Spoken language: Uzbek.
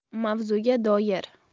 mavzuga doir